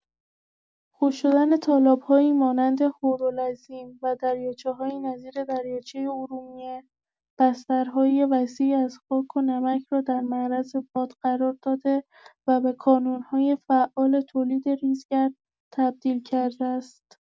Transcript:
خشک‌شدن تالاب‌هایی مانند هورالعظیم و دریاچه‌هایی نظیر دریاچه ارومیه، بسترهای وسیعی از خاک و نمک را در معرض باد قرار داده و به کانون‌های فعال تولید ریزگرد تبدیل کرده است.